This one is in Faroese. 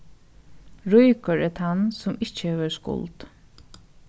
ríkur er tann sum ikki hevur skuld